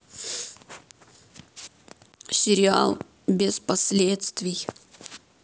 сериал без последствий